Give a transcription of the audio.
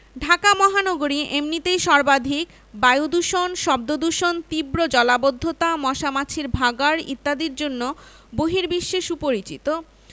ঢাকা মহানগরী এমনিতেই সর্বাধিক বায়ুদূষণ শব্দদূষণ তীব্র জলাবদ্ধতা মশা মাছির ভাঁগাড় ইত্যাদির জন্য বহির্বিশ্বে সুপরিচিত